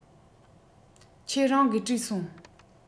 ཁྱེད རང གིས དྲིས སོང